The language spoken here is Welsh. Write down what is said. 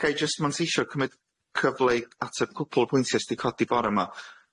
Gai jyst fanteision ar y cyfle i ateb cwpwl o pwyntia sy di codi bore ma',